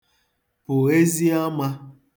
pụ̀ èziamā